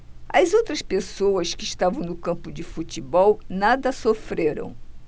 as outras pessoas que estavam no campo de futebol nada sofreram